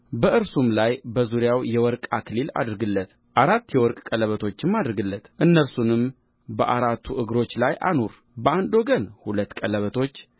በእርሱም ላይ በዙሪያው የወርቅ አክሊል አድርግለት አራት የወርቅ ቀለበቶችም አድርግለት እነርሱንም በአራቱ እግሮቹ ላይ አኑር በአንድ ወገን ሁለት ቀለበቶች